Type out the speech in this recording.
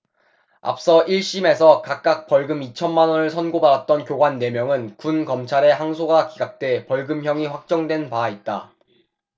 앞서 일 심에서 각각 벌금 이천 만 원을 선고받았던 교관 네 명은 군 검찰의 항소가 기각돼 벌금형이 확정된 바 있다